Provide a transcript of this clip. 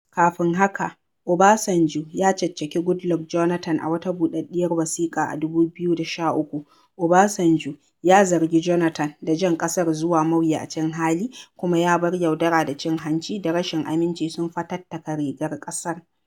Kafin haka, Obasanjo ya caccaki Goodluck Jonathan a wata buɗaɗɗiyar wasiƙa a 2013, Obasanjo ya zargi Jonathan da jan ƙasar zuwa mawuyacin hali kuma ya bar yaudara da cin hanci da rashin aminci sun fatattaka rigar ƙasar.